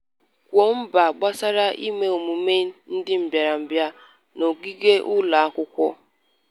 3. Kwuo mba gbasara ime emume ndị mbịarambịa n'ogige ụlọ akwụkwọ.